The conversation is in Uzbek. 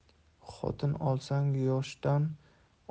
xotin olsang yoshdan